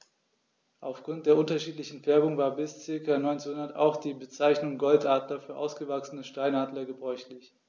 Auf Grund der unterschiedlichen Färbung war bis ca. 1900 auch die Bezeichnung Goldadler für ausgewachsene Steinadler gebräuchlich.